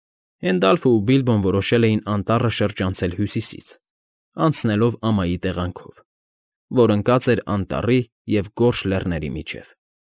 Հենդալֆն ու Բիլբոն որոշել էին անտառը շրջանցել հյուսիսից, անցնելով ամայի տեղանքով, որ ընկած էր անտառի և Գորշ լեռների միջև։